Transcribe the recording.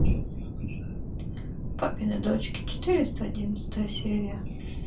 папины дочки четыреста одиннадцатая серия